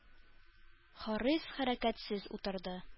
Харис хәрәкәтсез утырды.